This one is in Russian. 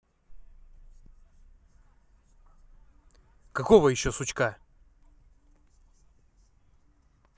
какого еще сучка